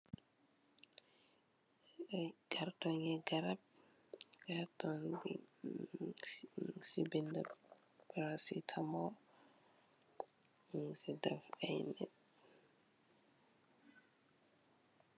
Karton gi garab karton bi nyun si benda pretamol nyun si taf ay nitt.